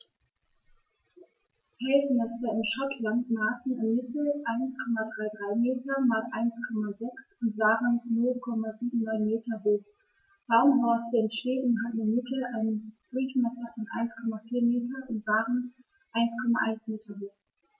Felsnester in Schottland maßen im Mittel 1,33 m x 1,06 m und waren 0,79 m hoch, Baumhorste in Schweden hatten im Mittel einen Durchmesser von 1,4 m und waren 1,1 m hoch.